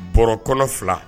Bɔrɔ kɔnɔ fila